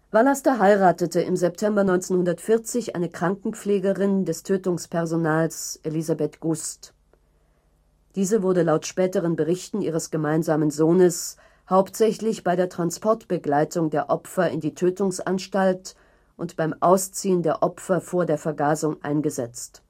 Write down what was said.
Vallaster heiratete im September 1940 eine Krankenpflegerin des Tötungspersonals, Elisabeth Gust. Diese wurde laut späteren Berichten ihres gemeinsamen Sohnes hauptsächlich bei der Transportbegleitung der Opfer in die Tötungsanstalt und beim Ausziehen der Opfer vor der Vergasung eingesetzt